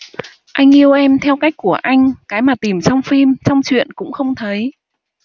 anh yêu em theo cách của anh cái mà tìm trong phim trong truyện cũng không thấy